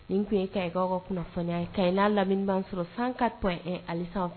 Nin tun ye kakaw ka kunnafoni ye ka n'a lamini sɔrɔ san ka tɔ ali